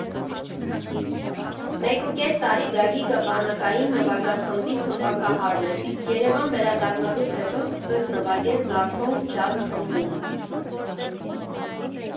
Մեկուկես տարի Գագիկը բանակային նվագախմբի թմբկահարն էր, իսկ Երևան վերադառնալուց հետո սկսեց նվագել «Զարթոնք» ջազ֊խմբում։